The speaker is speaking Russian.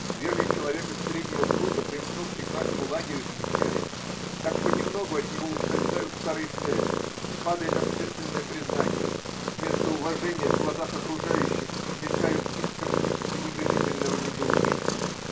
Свежий человек из среднего круга, примкнувший к нашему лагерю, замечает, как понемногу от него ускользают старые связи, падает общественное признание, вместо уважения в глазах окружающих мелькают искорки пренебрежительного недоумения.